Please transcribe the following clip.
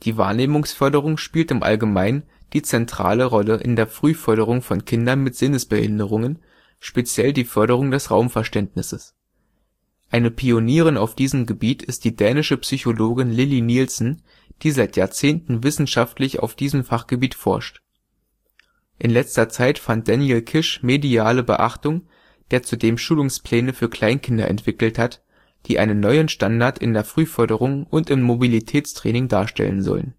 Wahrnehmungsförderung spielt im Allgemein die zentrale Rolle in der Frühförderung von Kindern mit Sinnesbehinderungen, speziell die Förderung des Raumverständnisses. Eine Pionierin auf diesem Gebiet ist die dänische Psychologin Lilli Nielsen, die seit Jahrzehnten wissenschaftlich auf diesem Fachgebiet forscht. In letzter Zeit fand Daniel Kish mediale Beachtung, der zudem Schulungspläne für Kleinkinder entwickelt hat, die einen neuen Standard in der Frühförderung und im Mobilitätstraining darstellen sollen